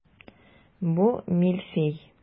Бу мильфей.